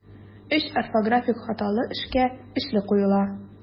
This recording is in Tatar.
Өч орфографик хаталы эшкә өчле куела.